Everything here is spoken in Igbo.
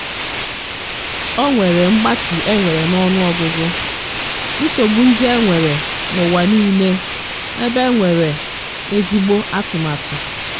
GV: O nwere mgbatu e nwere n'ọnụọgụ nsogbu ndi e nwere n'ụwa niile ebe e nwere ezigbo Atụmatụ?